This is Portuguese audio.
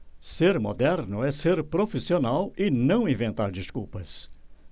ser moderno é ser profissional e não inventar desculpas